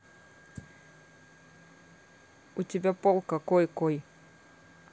у тебя пол какой кой